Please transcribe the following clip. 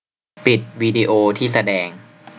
ปิดวิดีโอที่แสดง